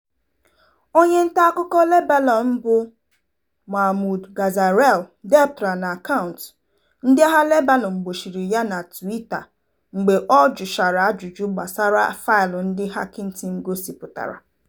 Onye ntaakụkọ Lebanon bụ Mahmoud Ghazayel depụtara na akaụntụ Ndịagha Lebanon gbochiri ya na Twitter mgbe ọ jụchara ajụjụ gbasara faịlụ ndị Hacking Team gosịpụtara.